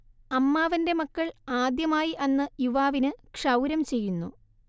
അമ്മാവന്റെ മക്കൾ ആദ്യമായി അന്ന് യുവാവിന് ക്ഷൗരം ചെയ്യുന്നു